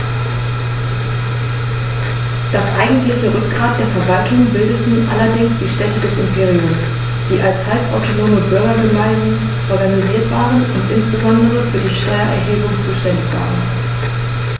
Das eigentliche Rückgrat der Verwaltung bildeten allerdings die Städte des Imperiums, die als halbautonome Bürgergemeinden organisiert waren und insbesondere für die Steuererhebung zuständig waren.